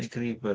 Digrifwyr.